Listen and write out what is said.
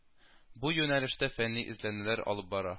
Бу юнәлештә фәнни эзләнүләр алып бара